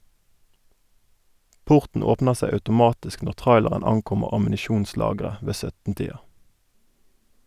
Porten åpner seg automatisk når traileren ankommer ammunisjonslageret ved 17-tida.